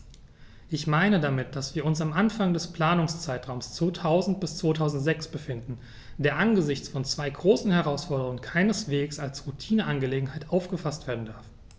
Ich meine damit, dass wir uns am Anfang des Planungszeitraums 2000-2006 befinden, der angesichts von zwei großen Herausforderungen keineswegs als Routineangelegenheit aufgefaßt werden darf.